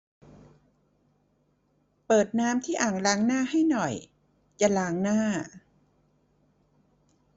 เปิดน้ำที่อ่างล้างหน้าให้หน่อยจะล้างหน้า